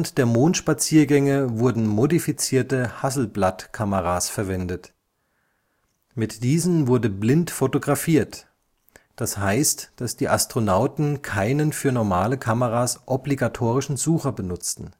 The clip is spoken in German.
der Mondspaziergänge wurden modifizierte Hasselblad-Kameras verwendet. Mit diesen wurde blind fotografiert. Das heißt, dass die Astronauten keinen für normale Kameras obligatorischen Sucher benutzten